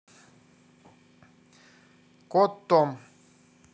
кот том